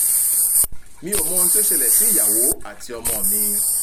Mí ò mọ ohun tí ó ṣẹlẹ̀ sí ìyàwó àti ọmọ mi